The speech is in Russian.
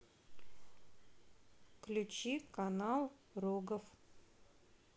включи канал рогов